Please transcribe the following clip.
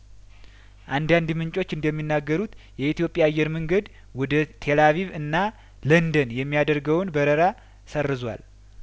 አንዳንድ ምንጮች እንደሚናገሩት የኢትዮጵያ አየር መንገድ ወደ ቴልአቪቭ እና ለንደን የሚያደርገውን በረራ ሰርዟል